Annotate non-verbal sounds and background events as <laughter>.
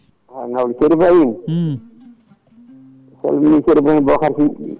ceerno Ibrahima <smacks lips> mi salimini ceerno mum Bocar Sy